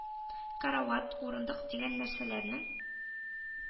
Карават, урындык дигән нәрсәләрнең